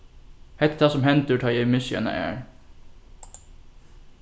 hetta er tað sum hendir tá eg missi eina ær